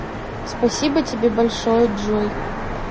спасибо тебе большое джой